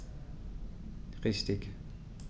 Richtig